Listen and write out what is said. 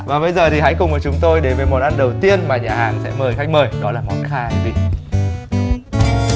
và bây giờ thì hãy cùng với chúng tôi đến với món ăn đầu tiên mà nhà hàng sẽ mời khách mời đó là món khai vị